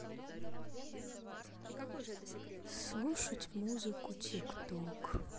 слушать музыку тик ток